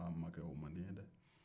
aaa makɛ o man di n' ye dɛɛ